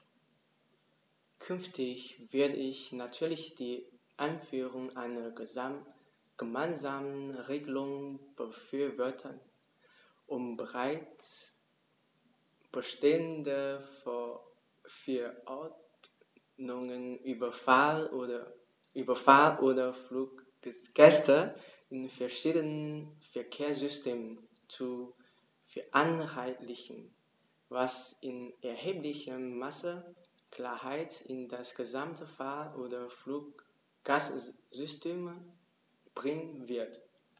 Künftig würde ich natürlich die Einführung einer gemeinsamen Regelung befürworten, um bereits bestehende Verordnungen über Fahr- oder Fluggäste in verschiedenen Verkehrssystemen zu vereinheitlichen, was in erheblichem Maße Klarheit in das gesamte Fahr- oder Fluggastsystem bringen wird.